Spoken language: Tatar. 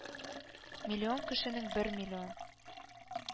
Миллион кешенең бер миллион